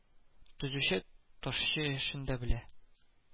Төзүче, ташчы эшен дә белә